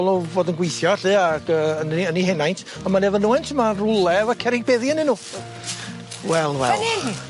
ôl o fod yn gweithio elly ag yy yn 'u yn eu henaint on' ma' 'ne fynwent yma'n rwle efo cerrig beddi ynnyn nw. Wel wel. Fyn 'yn!